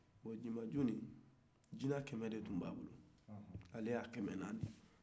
jina kɛmɛ de tun bɛ dinbaju bolo ale y'a kɛmɛna ye